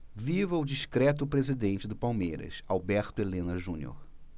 viva o discreto presidente do palmeiras alberto helena junior